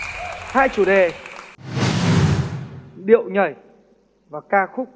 hai chủ đề điệu nhảy và ca khúc